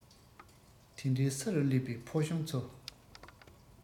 དེ འདྲའི ས རུ སླེབས པའི ཕོ གཞོན ཚོ